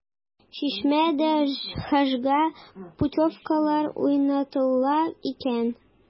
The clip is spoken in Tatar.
“чишмә”дә хаҗга путевкалар уйнатыла икән.